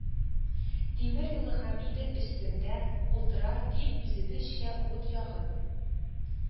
Тимер юлы һәм идел өстендә) утыра, дип, үзебезчә ут ягып